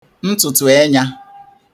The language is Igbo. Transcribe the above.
ntụ̀tụ̀enya